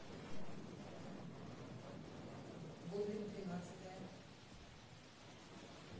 гоблин тринадцатая